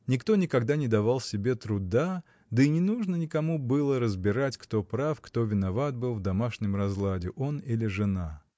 Никто никогда не давал себе труда, да и не нужно никому было разбирать, кто прав, кто виноват был в домашнем разладе, он или жена.